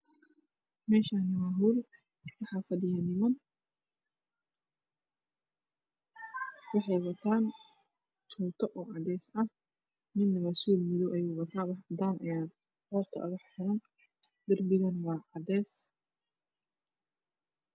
Meshan waa hool waxaa fadhiyo niman waxii wataan tuuto oo cades ah nina suud madow ayu wataa wax cadaan ayaa qoorta oga xiran darpigana cadees